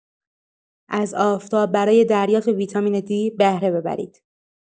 از آفتاب برای دریافت ویتامین D بهره ببرید.